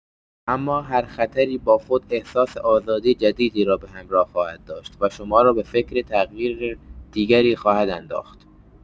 اما هر خطری با خود احساس آزادی جدیدی را به همراه خواهد داشت و شما را به فکر تغییر دیگری خواهد انداخت.